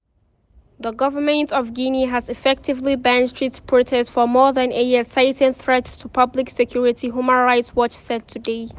The government of Guinea has effectively banned street protests for more than a year, citing threats to public security, Human Rights Watch said today.